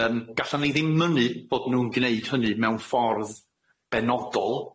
Yym gallan ni ddim mynnu bod nw'n gneud hynny mewn ffordd benodol.